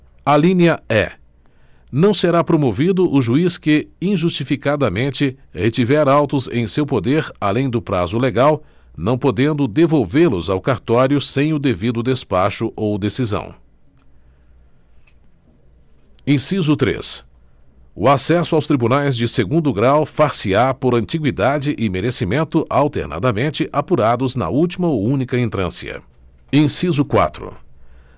alínea e não será promovido o juiz que injustificadamente retiver autos em seu poder além do prazo legal não podendo devolvê los ao cartório sem o devido despacho ou decisão inciso três o acesso aos tribunais de segundo grau far se á por antigüidade e merecimento alternadamente apurados na última ou única entrância inciso quatro